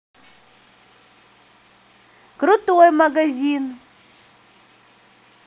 крутой магазин